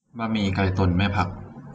บะหมี่ไก่ตุ่นไม่ผัก